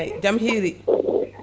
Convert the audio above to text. jaam hiiri